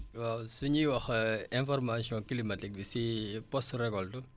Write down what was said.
waaw su ñuy wax information climatique si post récolte